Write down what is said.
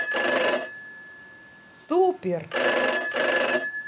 супер